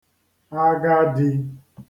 agadī